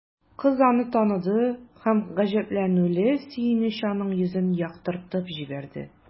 Кыз аны таныды һәм гаҗәпләнүле сөенеч аның йөзен яктыртып җибәрде.